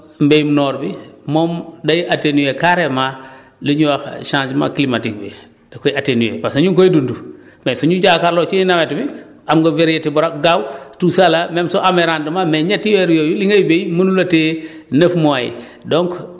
donc mbéyum noor bi moom day atténuer carrément lu ñuy wax changement climatique bi da koy atténuer parce que ñu ngi koy dund mais su ñu jàkkaarloo ci nawet bi am nga variété bu gaaw tout ça làa même su amee rendement mais ñetti weer yooyu li ngay béy mënul a téye neuf mois yi